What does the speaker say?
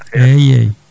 eyyi eyyi